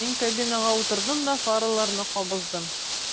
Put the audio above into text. Мин кабинага утырдым да фараларны кабыздым.